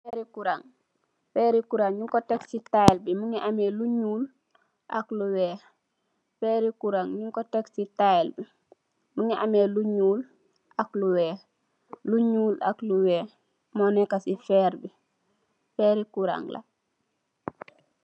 Ferri kouran nyoung ko teck ci kaw lou nyull ak lou weer